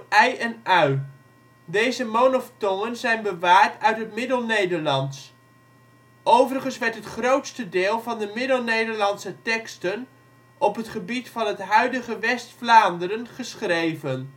ij en ui. Deze monoftongen zijn bewaard uit het Middelnederlands. Overigens werd het grootste deel van de Middelnederlandse teksten op het gebied van het huidige West-Vlaanderen geschreven